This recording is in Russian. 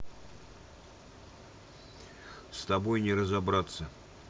с тобой не разобраться